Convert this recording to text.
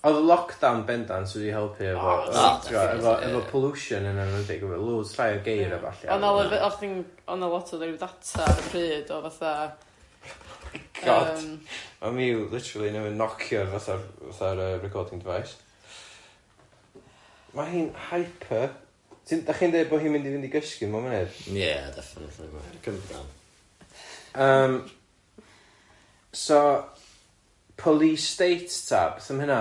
O'dd lockdown bendant wedi helpu efo... O ...ti'bod efo efo pollution'n enwedig oedd 'na loads llai o geir a ballu. Oedd 'na o'ch chdi oedd 'na lot o data ar y pryd oedd fatha, ymm... God! Ma' Miw literally newydd knockio'r yy fatha'r yr recording device Ma' hi'n hyper. Ti'n- 'dach chi'n deud bod hi'n mynd i fynd i gysgu mewn... Ie definitely... Ymm, so Police state ta? Beth am hynna? Be' fatha...